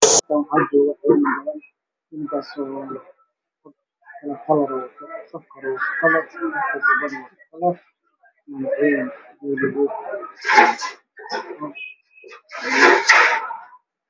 Waxaa fadhiya askar iyo boolis booliska waxay wataan dhancadaad askarta noocay wataan dhar tuuta ah